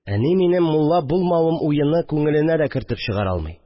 Әни минем мулла булмавым уены күңеленә дә кертеп чыгара алмый